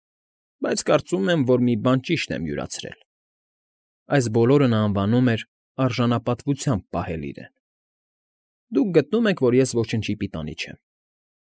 Բայց կարծում եմ, որ մի բան ճիշտ եմ յուրացրել (այս բոլորը նա անվանում էր «արժանապատվությամբ պահել իրեն»). դուք գտնում եք, որ ես ոչնչի պիտանի չեմ։